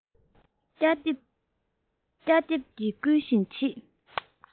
སྐྱ འདེབས ཀྱིས སྐུལ བཞིན མཆིས